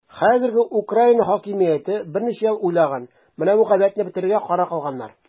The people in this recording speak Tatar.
Хәзерге Украина хакимияте берничә ел уйлаган, менә бу гадәтне бетерергә карар кылганнар.